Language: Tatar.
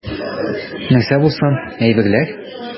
Нәрсә булсын, әйберләр.